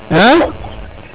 a